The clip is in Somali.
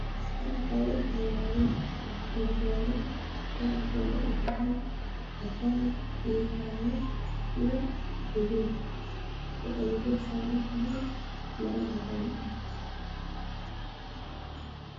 Meeshan waxa iga muuqda anjeero midabkeedu yahay caddaan jaalle madow mara ay dul saaran tahay